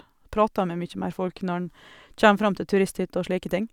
Prater med mye mer folk når en kjem fram til turisthytter og slike ting.